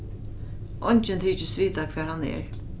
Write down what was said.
eingin tykist vita hvar hann er